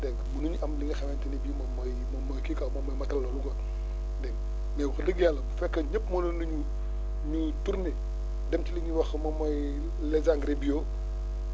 dégg nga mënuñu am li nga xamante ne bii moom mooy moom mooy kii quoi moom mooy matal loolu quoi dégg nga mais wax fa dëgg yàlla bu fekkee ñëpp mënoon nañu ñu tourner dem ci li ñuy wax moom mooy les engrais bios